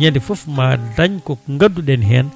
ñande foof ma dañ ko ganduɗen hen